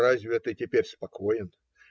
Разве ты теперь спокоен?